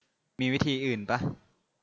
มีวิธีอื่นปะ